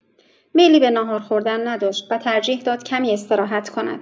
میلی به ناهار خوردن نداشت و ترجیح داد کمی استراحت کند.